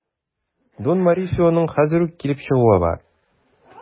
Дон Морисионың хәзер үк килеп чыгуы бар.